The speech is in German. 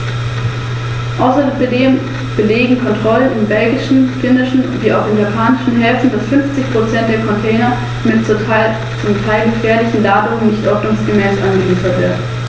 Zweitens stimme ich dem zu, was ich hier bereits von einem Kollegen über die Thematik der Inseln gehört habe, und ich möchte ebenfalls auf die Gebiete in äußerster Randlage aufmerksam machen.